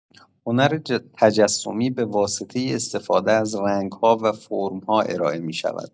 هنر تجسمی به‌واسطه استفاده از رنگ‌ها و فرم‌ها ارائه می‌شود.